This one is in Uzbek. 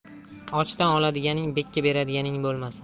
ochdan oladiganing bekka beradiganing bo'lmasin